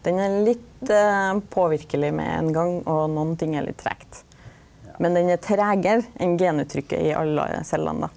den er litt påverkeleg med ein gong og nokon ting er litt tregt, men den er tregare enn genuttrykket i alle cellene då.